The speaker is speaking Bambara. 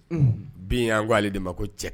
Bi y' ko ale de ma ko cɛ